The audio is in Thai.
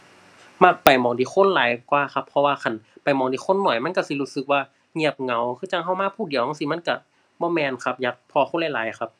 มักไปหม้องที่คนหลายกว่าครับ เพราะว่าคันไปหม้องที่คนน้อยมันก็สิรู้สึกว่าเงียบเหงา คือจั่งก็มาผู้เดียวจั่งซี้ มันก็บ่แม่นครับ อยากพ้อคนหลายหลายครับ